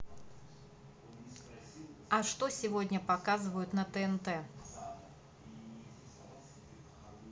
а что сегодня показывают по тнт